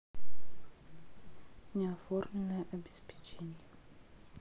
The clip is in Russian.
не оформленное обеспечение